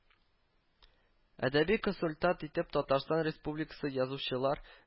Әдәби консультант итеп Татарстан Республикасы Язучылар